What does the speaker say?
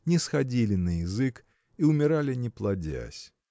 не сходили на язык и умирали не плодясь.